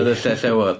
Yn y lle llewod.